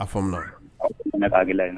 A fɔ ma na gɛlɛ ɲɛna na